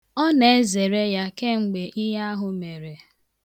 Ọ na-ezere ya kemgbe ihe ahụ mere.